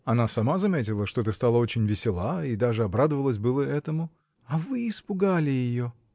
— Она сама заметила, что ты стала очень весела, и даже обрадовалась было этому. — А вы испугали ее!